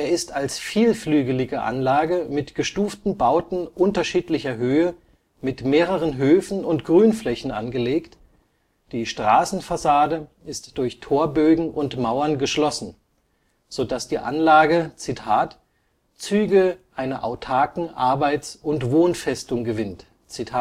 ist als vielflügelige Anlage mit gestuften Bauten unterschiedlicher Höhe mit mehreren Höfen und Grünflächen angelegt, die Straßenfassade ist durch Torbögen und Mauern geschlossen, so dass die Anlage „ Züge einer autarken Arbeits - und Wohnfestung gewinnt “. Die